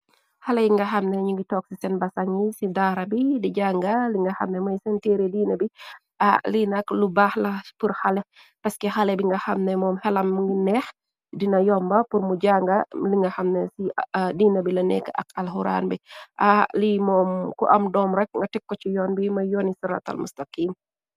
Xale y nga xamne ñu ngi togsisten basani ci daara bi di jànga li nga xamne mooy seen teere diina bi. Linak lu baax la pur xale paski xale bi nga xamne moom xelam ngi neex dina yomba. Purmu janga linga xamne ci diina bi la nekk ak alhuraan bi. Li moom ku am doom rekk nga tekko ci yoon bi mëy yoni ci ratal mustakiim.